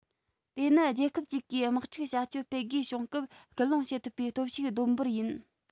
དེ ནི རྒྱལ ཁབ ཅིག གིས དམག འཁྲུག བྱ སྤྱོད སྤེལ དགོས བྱུང སྐབས སྐུལ སློང བྱེད ཐུབ པའི སྟོབས ཤུགས བསྡོམས འབོར ཡིན